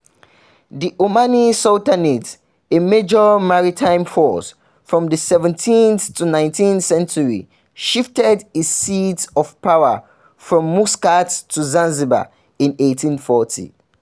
The Omani Sultanate, a "major maritime force from the 17th to 19th centuries", shifted its seat of power from Muscat to Zanzibar in 1840.